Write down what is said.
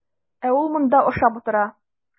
Ә ул монда ашап утыра.